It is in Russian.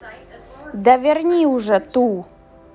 да верни уже ту